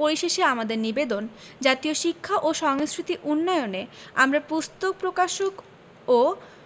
পরিশেষে আমাদের নিবেদন জাতীয় শিক্ষা ও সংস্কৃতি উন্নয়নে আমরা পুস্তক প্রকাশক ও